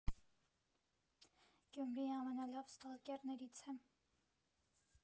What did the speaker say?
Գյումրիի ամենալավ ստալկերներից է։